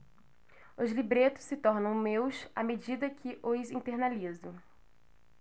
os libretos se tornam meus à medida que os internalizo